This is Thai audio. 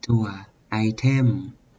จั่วไอเทม